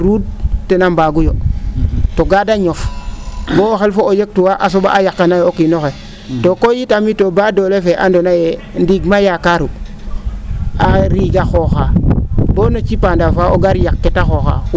ruud ten a mbaagu yo to kaa de ñof boo xelfo xo ñaqtuwaa a so?a a yaqanaayo o kiin oxe to koy i tamit baadoola fe fee andoona yee ndiigum a yakaru a riiga xooxaa boo na cipaa ndaw faa o gar yaq kee ta xooxaa